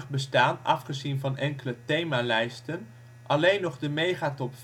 bestaan (afgezien van enkele themalijsten) alleen nog de Mega Top